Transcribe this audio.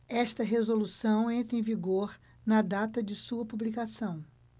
esta resolução entra em vigor na data de sua publicação